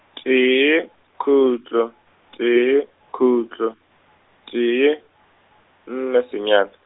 tee, khutlo, tee, khutlo, tee, nne senyane.